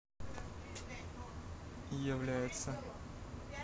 является